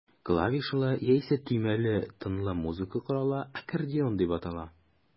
Клавишалы, яисә төймәле тынлы музыка коралы аккордеон дип атала.